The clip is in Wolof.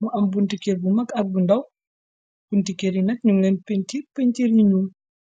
mu am buntikir bu mag ak bu ndaw buntikir yi nak ñu leen pentiir pintiir yi ñuul .